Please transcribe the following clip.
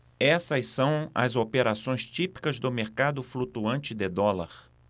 essas são as operações típicas do mercado flutuante de dólar